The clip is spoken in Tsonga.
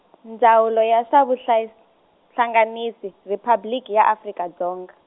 Ndzawulo ya swa Vuhlas- Vuhlanganisi Riphabliki ya Afrika Dzonga.